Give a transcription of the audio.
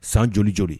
San joli joli